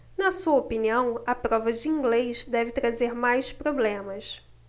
na sua opinião a prova de inglês deve trazer mais problemas